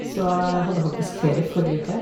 Så jeg hadde faktisk ferie forrige uke.